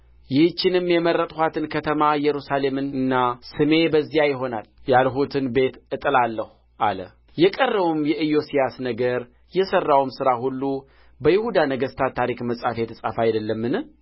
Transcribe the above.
ይህችንም የመረጥኋትን ከተማ ኢየሩሳሌምንና ስሜ በዚያ ይሆናል ያልሁትን ቤት እጥላለሁ አለ የቀረውም የኢዮስያስ ነገር የሠራውም ሥራ ሁሉ በይሁዳ ነገሥታት ታሪክ መጽሐፍ የተጻፈ አይደለምን